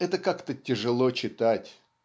это как-то тяжело читать.